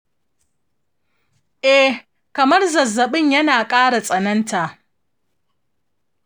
eh, kamar zazzaɓin yana ƙara tsananta